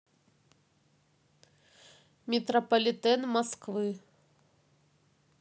метрополитен москвы